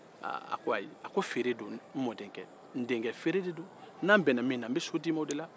aaa a ko ayi a ko feere do n mɔdenkɛ n denkɛ feere de do n'an bɛnna min na n bɛ so d'e man o de la